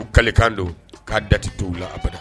U kali kan don k'a da tɛ t'u la abada.